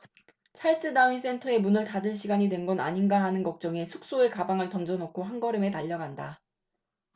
찰스 다윈 센터의 문을 닫을 시간이 된 건 아닌가 하는 걱정에 숙소에 가방을 던져넣고 한걸음에 달려갔다